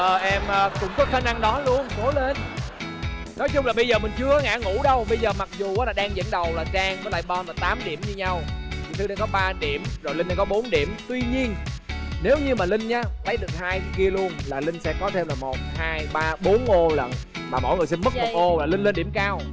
ờ em cũng có khả năng đó luôn cố lên nói chung bây giờ mình chưa ngả ngũ đâu bây giờ là mặc dù là đang dẫn đầu là đan với lại bom là tám điểm như nhau chị thư đang có ba điểm linh đang có bốn điểm tuy nhiên nếu như mà linh lấy được hai kia luôn là linh sẽ có một hai ba bốn ô liền mà mỗi người sẽ mất một ô là linh lên điểm cao